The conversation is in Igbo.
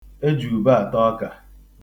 E ji ube ata ọka.